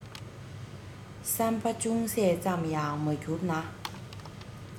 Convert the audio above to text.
བསམ པ ཅུང ཟད ཙམ ཡང མ འགྱུར ན